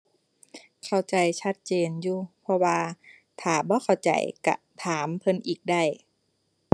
เข้าใจชัดเจนอยู่เพราะว่า ถ้าบ่เข้าใจก็ถามเพิ่นอีกได้